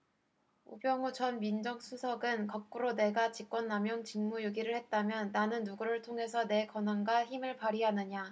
우병우 전 민정수석은 거꾸로 내가 직권남용 직무유기를 했다면 나는 누구를 통해서 내 권한과 힘을 발휘하느냐